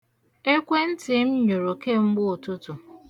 Ekwentị m nyụrụ kemgbe ụtụtụ.